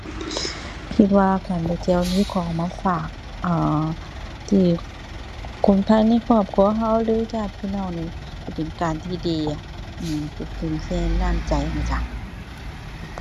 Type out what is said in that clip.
ที่ว่าการไปเที่ยวมีของมาฝาก เอ่อ ที่คนภายในครอบครัวเราหรือญาติพี่น้องนี่เราเป็นการที่ดีอะ อื้อ เป็นสิ่งแสดงน้ำใจน่ะจ้ะ